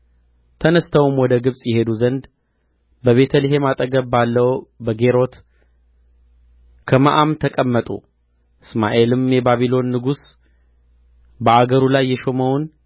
ተነሥተውም ወደ ግብጽ ይሄዱ ዘንድ በቤተልሔም አጠገብ ባለው በጌሮት ከመዓም ተቀመጡ እስማኤል የባቢሎን ንጉሥ በአገሩ ላይ የሾመውን